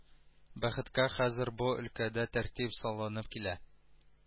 Бәхеткә хәзер бу өлкәдә тәртип салынып килә